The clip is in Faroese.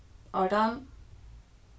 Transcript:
ordan